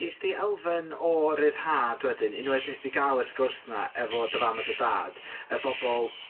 Gest di elfen o ryddhad wedyn, unwaith nes di ga'l y sgwrs 'na efo dy fam a dy dad, y bobol